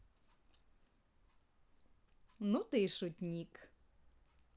ну ты и шутник